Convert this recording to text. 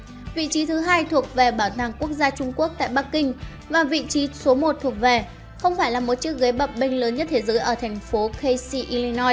vị trí thứ hai thuộc về bảo tàng quốc gia trung quốc tại bắc kinh và vị trí số một thuộc về không phải là chiếc ghế bập bênh lớn nhất thế giới ở thành phố kc illinois